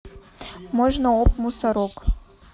можно оп мусорок